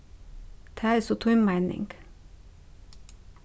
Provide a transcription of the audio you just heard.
tað er so tín meining